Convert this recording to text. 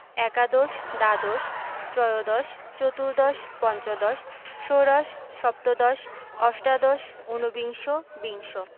একাদশ দ্বাদশ ত্ৰয়োদশ চতুর্দশ পঞ্চদশ ষোড়শ সপ্তদশ অষ্টাদশ উনবিংশ বিংশ